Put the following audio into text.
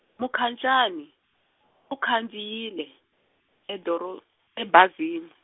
Mukhacani, u khandziyile, edoro-, ebazini.